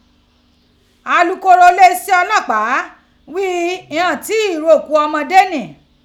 Alukoro ileeṣẹ ọlọpaa ghi ighan tii roku ọmọde ni.